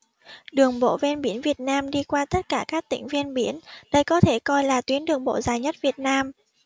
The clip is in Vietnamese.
đường bộ ven biển việt nam đi qua tất cả các tỉnh ven biển đây có thể coi là tuyến đường bộ dài nhất việt nam